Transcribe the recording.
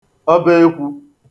ọbeekwū